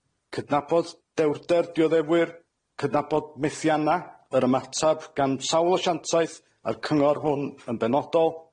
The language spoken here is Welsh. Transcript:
cydnabod dewrder dioddefwyr, cydnabod methianna' yr ymatab gan sawl asiantaeth, a'r cyngor hwn yn benodol,